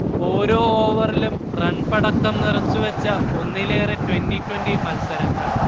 ഓരോ ഓവറിലും റൺപടക്കം നിറച്ചു വച്ച ഒന്നിലേറെ ട്വന്റിട്വന്റി മൽസരങ്ങൾ